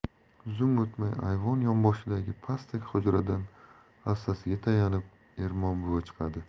zum o'tmay ayvon yonboshidagi pastak hujradan hassasiga tayanib ermon buva chiqadi